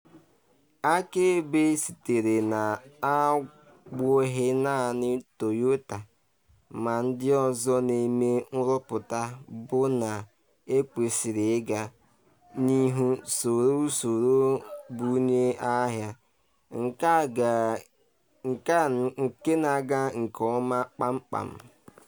“Akaebe sitere n’abụghị naanị Toyota ma ndị ọzọ na-eme nrụpụta bụ na ekwesịrị ịga n’ihu soro usoro mbunye ahịa nke na-aga nke ọma kpamkpam.”